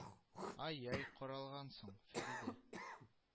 Ай-яй, каралгансың, Фәридә